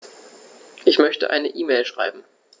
Ich möchte eine E-Mail schreiben.